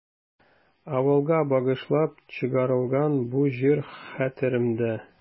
Авылга багышлап чыгарылган бу җыр хәтеремдә.